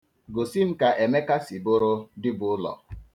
Gosi m ka Emeka si bụrụ dibụlọ.